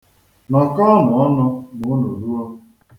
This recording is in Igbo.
Nọkọọnụ ọnụ ma unu ruo!